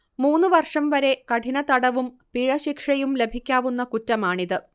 മൂന്നുവർഷം വരെ കഠിനതടവും പിഴശിക്ഷയും ലഭിക്കാവുന്ന കുറ്റമാണിത്